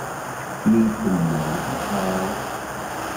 มีตุ่มหนองที่เท้า